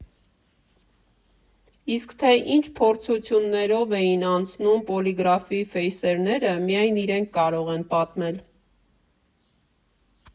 Իսկ թե ինչ փորձություններով էին անցնում Պոլիգրաֆի ֆեյսերները, միայն իրենք կարող են պատմել։